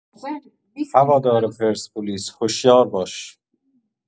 هوادار پرسپولیس هوشیار باش